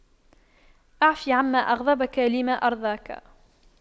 اعف عما أغضبك لما أرضاك